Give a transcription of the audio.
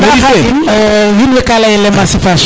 anda Khadim wiin we ga leya ye l' émancipation